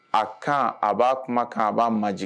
A kan a b'a kuma kan a b'a maj